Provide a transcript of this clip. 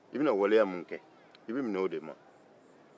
i bɛ minɛ i bɛna waleya min kɛ ma